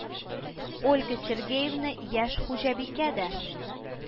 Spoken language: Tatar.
Ольга Сергеевна яшь хуҗабикә дә